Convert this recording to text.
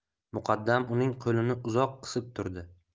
muqaddam uning qo'lini uzoq qisib turdi